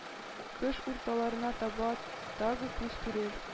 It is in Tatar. Кыш урталарына таба тагы күз күрер.